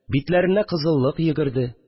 Битләренә кызыллык йөгерде